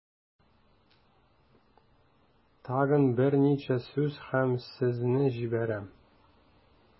Тагын берничә сүз һәм сезне җибәрәм.